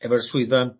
efo'r swyddfan